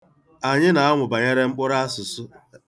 Anyị na-amụ banyere mkpụrụasụsụ.